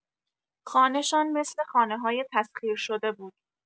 خانه‌شان مثل خانه‌های تسخیرشده بود.